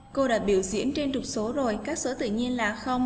cô đặt biểu diễn trên trục số rồi các số tự nhiên là không